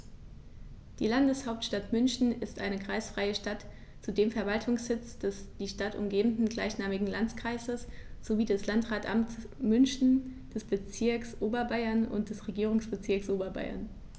Die Landeshauptstadt München ist eine kreisfreie Stadt, zudem Verwaltungssitz des die Stadt umgebenden gleichnamigen Landkreises sowie des Landratsamtes München, des Bezirks Oberbayern und des Regierungsbezirks Oberbayern.